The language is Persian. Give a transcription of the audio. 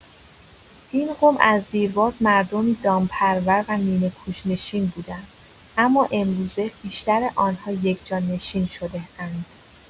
این قوم از دیرباز مردمی دامپرور و نیمه‌کوچ‌نشین بودند، اما امروزه بیشتر آن‌ها یکجانشین شده‌اند.